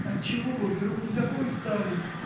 Отчего вы вдруг не такой стали?